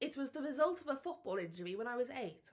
It was the result of a football injury when I was eight.